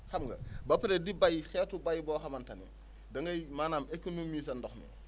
xam nga ba pare di béy xeetu béy boo xamante ne da ngay maanaam économiser ndox mi